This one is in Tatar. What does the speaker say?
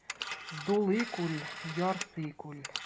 Дулый күл, ярсый күл.